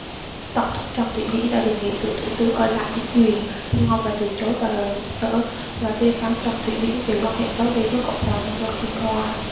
tổng thống trần thủy biển đã đề nghị cựu thủ tướng ở lại chính quyền nhưng ông đã từ chối và rời nhiệm sở và phê phán trần thủy biển về quan hệ xấu đi với cộng hòa nhân dân trung hoa